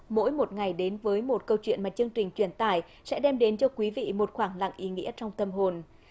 mỗi một ngày đến với một câu chuyện mà chương trình truyền tải sẽ đem đến cho quý vị một khoảng lặng ý nghĩa trong tâm hồn